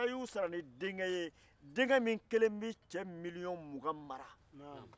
a la y'u sara ni denkɛ ye min kelen bɛ cɛ miliyɔn mugan mara